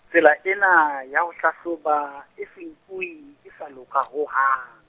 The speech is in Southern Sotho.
tsela ena, ya ho hlahloba, e se nkuwe, e sa loka ho hang.